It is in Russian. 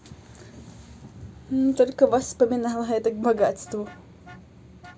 только вас вспоминала это к богатству